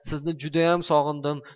sizni judayam sog'indim